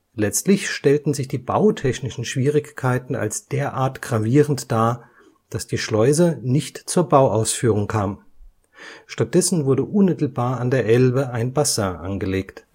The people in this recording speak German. Letztlich stellten sich die bautechnischen Schwierigkeiten als derart gravierend dar, dass die Schleuse nicht zur Bauausführung kam. Stattdessen wurde unmittelbar an der Elbe ein Bassin angelegt